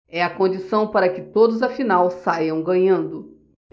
é a condição para que todos afinal saiam ganhando